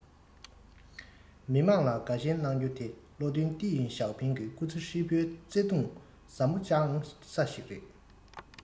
མི དམངས ལ དགའ ཞེན གནང རྒྱུ དེ བློ མཐུན ཏེང ཞའོ ཕིང སྐུ ཚེ ཧྲིལ པོའི བརྩེ དུང ཟབ མོ བཅངས ས ཞིག རེད ལ